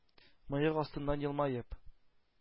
Мыек астыннан елмаеп: